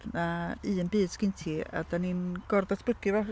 A, un byd sgen ti a dan ni'n gorfod datblygu fo.